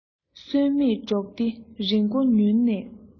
སུན མེད འབྲོག སྡེའི རི སྒོ ཉུལ ན ཡང